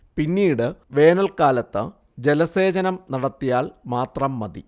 പിന്നീട് വേനൽക്കാലത്ത് ജലസേചനം നടത്തിയാൽ മാത്രം മതി